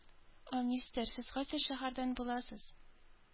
О, мистер, сез кайсы шәһәрдән буласыз?